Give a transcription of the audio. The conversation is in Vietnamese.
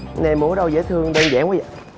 này mua ở đâu dễ thương đơn giản quá dạ